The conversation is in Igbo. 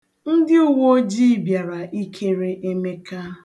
Ndị uweojii bịara ikere Emeka.